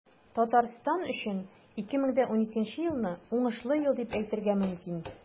Татарстан өчен 2012 елны уңышлы ел дип әйтергә мөмкин.